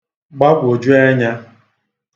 gbagwòju ẹnyā